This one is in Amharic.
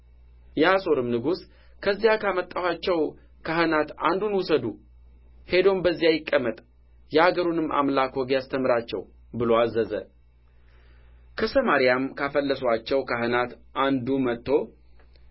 የአሦርም ንጉሥ ከዚያ ካመጣችኋቸው ካህናት አንዱን ውሰዱ ሄዶም በዚያ ይቀመጥ የአገሩንም አምላክ ወግ ያስተምራቸው ብሎ አዘዘ ከሰማርያም ካፈለሱአቸው ካህናት አንዱ መጥቶ